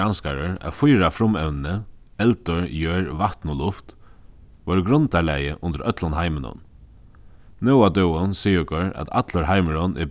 granskarar at fýra frumevnini eldur jørð vatn og luft vóru grundarlagið undir øllum heiminum nú á døgum siga okur at allur heimurin er